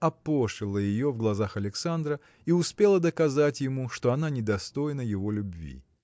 опошлила ее в глазах Александра и успела доказать ему что она недостойна его любви.